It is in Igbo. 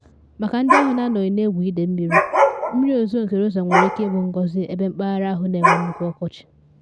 Maka ndị ahụ na anọghị n’egwu ide mmiri, mmiri ozizo nke Rosa nwere ike ịbụ ngozi ebe mpaghara ahụ na enwe nnukwu ọkọchị.